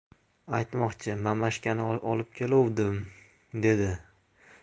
aytmoqchi mamashkani olib keluvdim